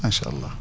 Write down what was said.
macha alla